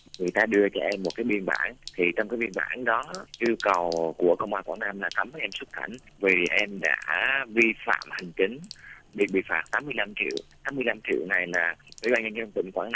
người ta đưa cho em một cái biên bản thì trong cái biên bản đó yêu cầu của công an quảng nam là cấm em xuất cảnh vì em đã vi phạm hành chính thì bị phạt tám mươi lăm triệu tám mươi lăm triệu này là ủy ban nhân dân tỉnh quảng